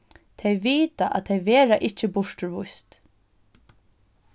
tey vita at tey verða ikki burturvíst